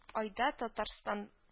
Айда татарстан